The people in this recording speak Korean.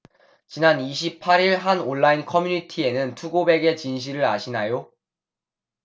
지난 이십 팔 일 한 온라인 커뮤니티에는 투고백의 진실을 아시나요